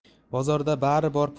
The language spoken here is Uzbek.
bozorda bari bor